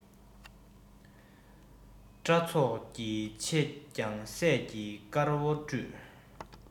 སྐྲ ཚོགས ཀྱི ཕྱེད ཀྱང སད ཀྱིས དཀར བོར བཀྲུས